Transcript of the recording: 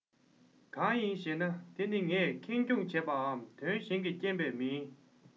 གང ཡིན ཞེ ན དེ ནི ངས ཁེངས སྐྱུང བྱས པའམ དོན གཞན གྱི རྐྱེན པས མིན